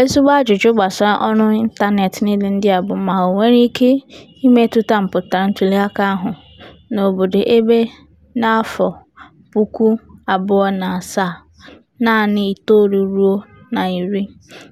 Ezigbo ajụjụ gbasara ọrụ ịntaneetị niile ndị a bụ ma o nwere ike imetụta mpụtara ntuliaka ahụ, n'obodo ebe na 2007, naanị 9-10